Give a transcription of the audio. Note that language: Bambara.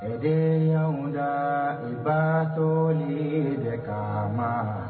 Miniyanmuda i batɔli de ka